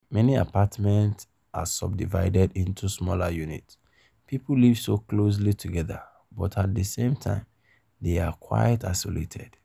Many apartments are sub-divided into smaller units. People live so closely together, but at the same time, they are quite isolated.